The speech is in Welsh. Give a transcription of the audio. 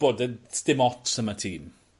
bod e'n... Sdim ots am y tîm.